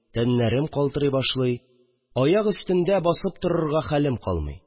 Тәннәрем калтырый башлый, аяк өстендә басып торга хәлем калмый